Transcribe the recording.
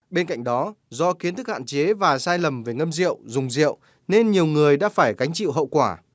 bên cạnh đó do kiến thức hạn chế và sai lầm về ngâm rượu dùng rượu nên nhiều người đã phải gánh chịu hậu quả